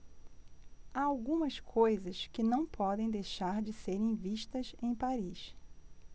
há algumas coisas que não podem deixar de serem vistas em paris